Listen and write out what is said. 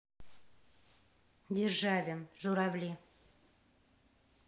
державин журавли